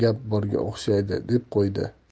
gap borga o'xshaydi deb qo'ydi